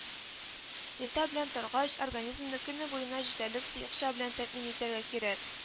Иртә белән торгач организмны көне буена җитәрлек сыекча белән тәэмин итәргә кирәк